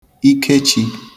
Ikechī